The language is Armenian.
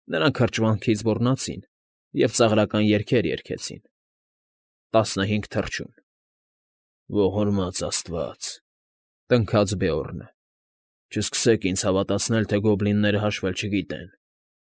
Նրանք հրճվանքից ոռնացին ու ծաղրական երգեր երգեցին. «Տասնհինգ թռչուն…»։ ֊ Ողորմա՜ծ աստված,֊ տնքաց Բեորնը։֊ Չսկսեք ինձ հավատացնել, թե գոբլինները հաշվել չգիտեն։